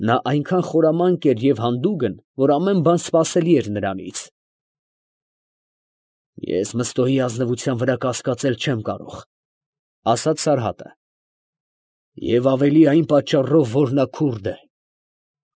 Նա այնքան խորամանկ էր և հանդուգն, որ ամեն բան սպասելի էր նրանից։ ֊ Ես Մըստոյի ազնվության վրա կասկածել չեմ կարող, ֊ ասաց Սարհատը.֊և ավելի այն պատճառով, որ նա քուրդ է։